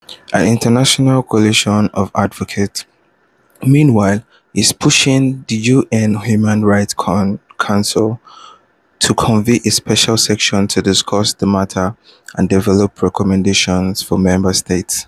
An international coalition of advocates meanwhile is pushing the UN Human Rights Council to convene a special session to discuss the matter and develop recommendations for member states.